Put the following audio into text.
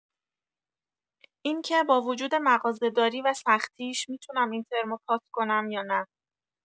اینکه با وجود مغازه‌داری و سختیش، می‌تونم این ترمو پاس کنم یا نه!